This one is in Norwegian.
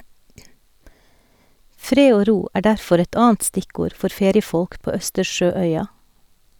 Fred og ro er derfor et annet stikkord for feriefolk på Østersjø-øya.